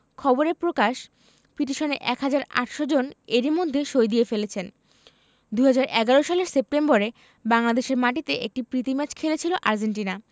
খবরে প্রকাশ পিটিশনে ১ হাজার ৮০০ জন এরই মধ্যে সই দিয়ে ফেলেছেন ২০১১ সালের সেপ্টেম্বরে বাংলাদেশের মাটিতে একটি প্রীতি ম্যাচ খেলেছিল আর্জেন্টিনা